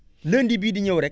lundi bii di ñëw rek